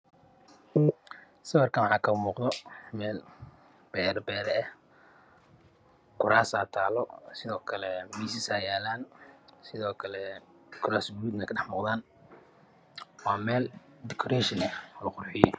Sawirkan waxaa ka muuqdo meel beera beero eh kuraasaa taalo sido kale miisasa yaalaan lake kuraas gaduuda ka dhex muuqdaan waa meel dukureeshin eh